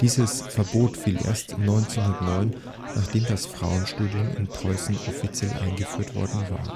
Dieses Verbot fiel erst 1909, nachdem das Frauenstudium in Preußen offiziell eingeführt worden war